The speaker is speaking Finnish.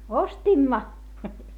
ostimme